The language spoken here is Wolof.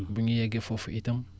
bu ñu yeggee foofu itam